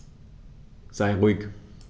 Sei ruhig.